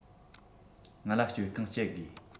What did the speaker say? ང ལ སྤྱོད ཁང གཅད དགོས